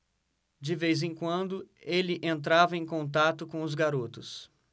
de vez em quando ele entrava em contato com os garotos